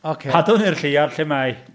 OK... Adwn ni'r lleiad lle mae hi!